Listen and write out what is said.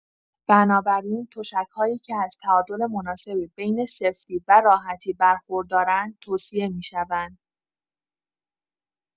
بنابراین، تشک‌هایی که از تعادل مناسبی بین سفتی و راحتی برخوردارند، توصیه می‌شوند.